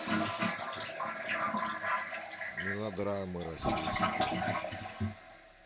мелодрамы российские